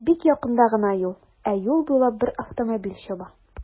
Бик якында гына юл, ә юл буйлап бер автомобиль чаба.